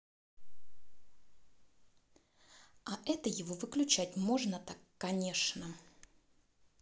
а это его выключать можно так конечно